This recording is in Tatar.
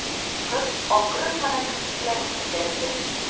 Кыз акрын гына керфекләрен күтәрде.